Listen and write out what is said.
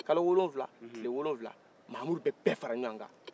kalo wolowula kile wolowula mamudu bɛ bɛɛ fara ɲɔgɔn kan